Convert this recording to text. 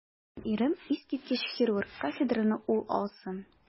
Минем ирем - искиткеч хирург, кафедраны ул алсын.